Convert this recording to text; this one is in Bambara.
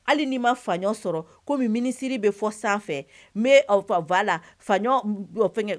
Hali ni ma faɲɔ sɔrɔ komi ministre bi fɔ sanfɛ n bɛ voilà faɲɔ fɔ fɛn gɛ